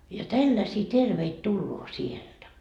ja tällaisia terveitä tulee sieltä